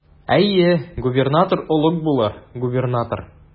Әйе, губернатор олуг булыр, губернатор.